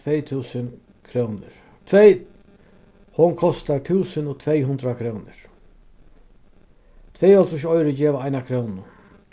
tvey túsund krónur tvey hon kostar túsund og tvey hundrað krónur tveyoghálvtrýss oyru geva eina krónu